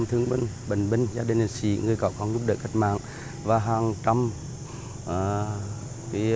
thương binh bệnh binh gia đình liệt sỹ người có công giúp đỡ cách mạng và hàng trăm à vì